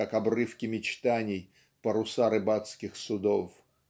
"как обрывки мечтаний, паруса рыбацких судов".